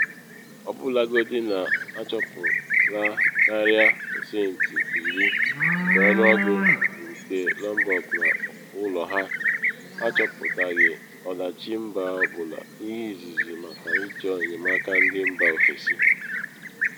Ọbụlagodi na achụpụla karịa pasentị 10 nke ọnụọgụgụ nke Lombok n’ụlọ ha, akpọpụtaghị ọdachi mba ọ bụla, ihe izizi maka ịchọ enyemaka ndị mba ofesi.